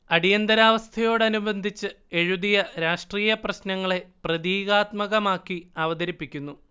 അടിയന്തരാവസ്ഥയോട് അനുബന്ധിച്ച് എഴുതിയ രാഷ്ട്രീയപ്രശ്നങ്ങളെ പ്രതീകാത്മകമാക്കി അവതരിപ്പിക്കുന്നു